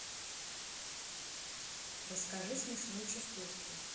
расскажи смешную частушку